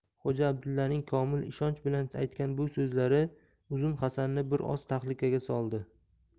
xo'ja abdullaning komil ishonch bilan aytgan bu so'zlari uzun hasanni bir oz tahlikaga soldi